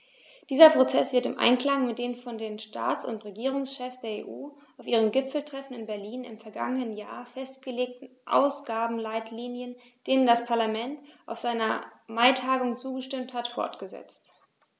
Dieser Prozess wird im Einklang mit den von den Staats- und Regierungschefs der EU auf ihrem Gipfeltreffen in Berlin im vergangenen Jahr festgelegten Ausgabenleitlinien, denen das Parlament auf seiner Maitagung zugestimmt hat, fortgesetzt.